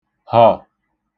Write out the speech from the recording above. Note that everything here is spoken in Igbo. họ̀